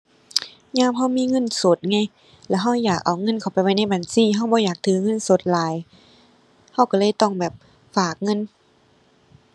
ยามเรามีเงินสดไง แล้วเราอยากเอาเงินเข้าไปไว้ในบัญชี เราบ่อยากถือเงินสดหลาย เราเราเลยต้องแบบ ฝากเงิน